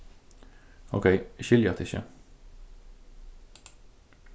ókey eg skilji hatta ikki